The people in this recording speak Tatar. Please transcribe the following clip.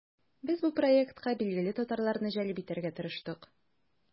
Без бу проектка билгеле татарларны җәлеп итәргә тырыштык.